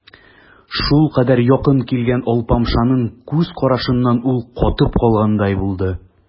Шулкадәр якын килгән алпамшаның күз карашыннан ул катып калгандай булды.